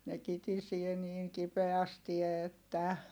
ne kitisee niin kipeästi että